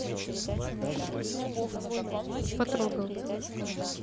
потрогал